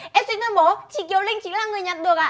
em xin tuyên bố chị kiều linh chính là người nhặt được ạ